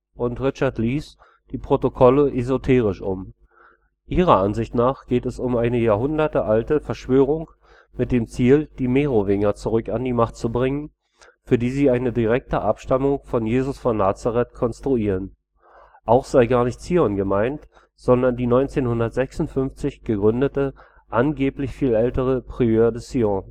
und Richard Leigh die Protokolle esoterisch um: Ihrer Ansicht nach geht es um eine jahrhundertealte Verschwörung mit dem Ziel, die Merowinger zurück an die Macht zu bringen, für die sie eine direkter Abstammung von Jesus von Nazareth konstruieren. Auch sei gar nicht Zion gemeint, sondern die 1956 gegründete, angeblich viel ältere Prieuré de Sion